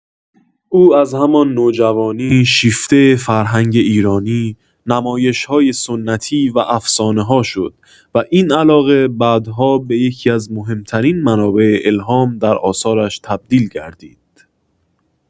او از همان نوجوانی شیفته فرهنگ ایرانی، نمایش‌های سنتی و افسانه‌ها شد و این علاقه بعدها به یکی‌از مهم‌ترین منابع الهام در آثارش تبدیل گردید.